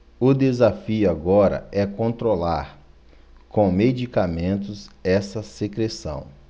o desafio agora é controlar com medicamentos essa secreção